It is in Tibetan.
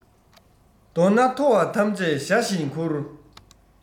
མདོར ན མཐོ བ ཐམས ཅད ཞྭ བཞིན ཁུར